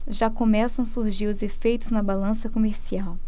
já começam a surgir os efeitos na balança comercial